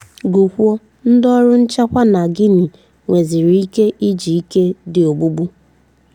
Gụkwuo: Ndị ọrụ nchekwa na Guinea nwezịrị ikike iji ike dị ogbugbu